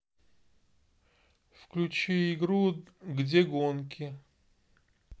включи игру где гонки